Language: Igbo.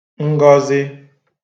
ngọzị